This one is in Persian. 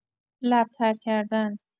لب‌تر کردن